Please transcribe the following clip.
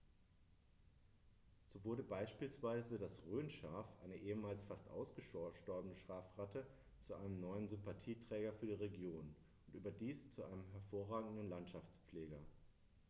So wurde beispielsweise das Rhönschaf, eine ehemals fast ausgestorbene Schafrasse, zu einem neuen Sympathieträger für die Region – und überdies zu einem hervorragenden Landschaftspfleger.